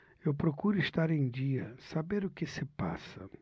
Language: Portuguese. eu procuro estar em dia saber o que se passa